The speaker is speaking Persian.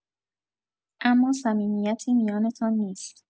اما صمیمیتی میانتان نیست.